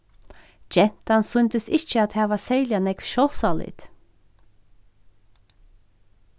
gentan sýndist ikki at hava serliga nógv sjálvsálit